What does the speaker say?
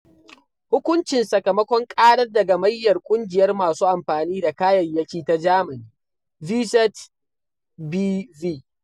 Hukuncin sakamakon ƙarar da Gamayyar Ƙungiyar Masu Amfani da Kayayyaki ta Germany, VZBV.